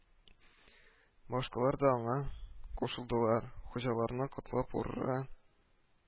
Башкалар да аңа кушылдылар, хуҗаларны котлап "урра"